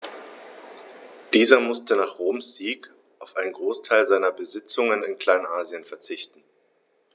Dieser musste nach Roms Sieg auf einen Großteil seiner Besitzungen in Kleinasien verzichten.